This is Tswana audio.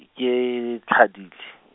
e ke tlhadile.